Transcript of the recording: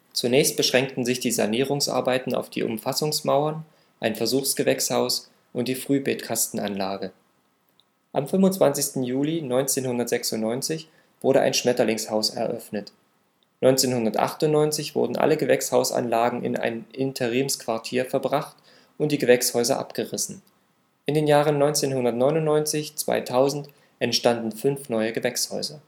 Zunächst beschränkten sich die Sanierungsarbeiten auf die Umfassungsmauern, ein Versuchsgewächshaus und die Frühbeetkastenanlage. Am 25. Juli 1996 wurde ein Schmetterlingshaus eröffnet. 1998 wurden alle Gewächshausanlagen in ein Interimsquartier verbracht und die Gewächshäuser abgerissen. In den Jahren 1999 / 2000 entstanden fünf neue Gewächshäuser